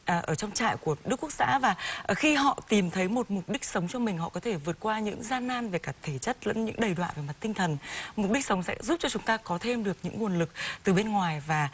à ở trong trại của đức quốc xã và khi họ tìm thấy một mục đích sống cho mình họ có thể vượt qua những gian nan về cả thể chất lẫn những đầy đọa mà tinh thần mục đích sống sẽ giúp cho chúng ta có thêm được những nguồn lực từ bên ngoài và